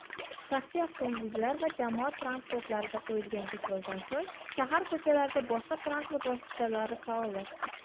shaxsiy avtomobillar va jamoat transportlariga qo'yilgan cheklovdan so'ng shahar ko'chalarida boshqa transport vositalari faollashdi